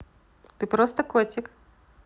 ты просто котик